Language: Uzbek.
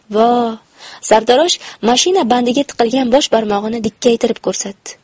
vo sartarosh mashina bandiga tiqilgan bosh barmog'ini dikkaytirib ko'rsatdi